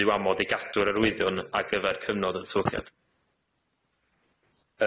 yw amod i gadw'r arwyddion ar gyfer cyfnod y tyfodiad.